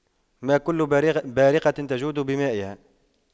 ما كل بارقة تجود بمائها